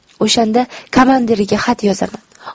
o'shanda kamandiriga xat yozaman